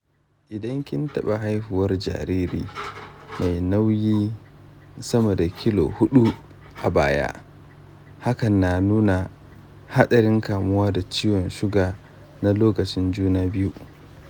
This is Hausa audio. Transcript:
idan kin taɓa haihuwar jariri mai nauyin sama da kilo huɗu a baya, hakan na nuna haɗarin kamuwa da ciwon suga na lokacin juna biyu.